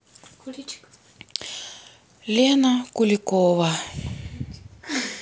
лена куликова